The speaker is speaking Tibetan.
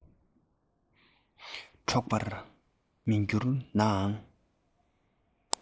འཕྲོག པར མི འགྱུར ནའང